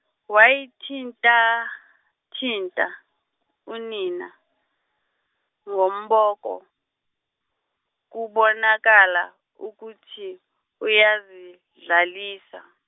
wayithintathinta, unina, ngomboko, kubonakala, ukuthi, uyayidlalisa.